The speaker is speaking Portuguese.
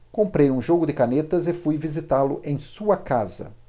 comprei um jogo de canetas e fui visitá-lo em sua casa